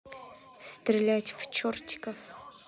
стрелять в чертиков